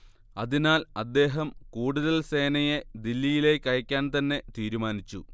അതിനാൽ അദ്ദേഹം കൂടുതൽ സേനയെ ദില്ലിയിലേക്കയക്കാൻതന്നെ തീരുമാനിച്ചു